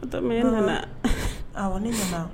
Batɔɔma e nana, awɔ ne nana